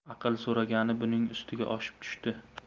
aql so'ragani buning ustiga oshib tushdi